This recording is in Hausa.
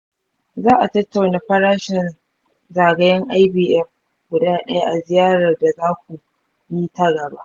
za a tattauna farashin zagayen ivf guda ɗaya a ziyarar da za ku yi ta gaba.